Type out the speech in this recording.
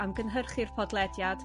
am gynhyrchu'r podlediad.